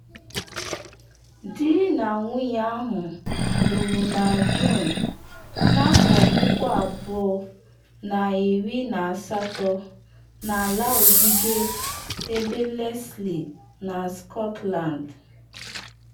Di na nwunye ahụ lụrụ na Juun 2018 n’ala ogige be Leslie na Scotland.